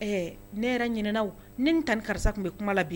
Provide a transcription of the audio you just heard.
Ɛe, ne yɛrɛ ɲinɛna wo, ne ni tanti karisa de tun bɛ kuma la bi.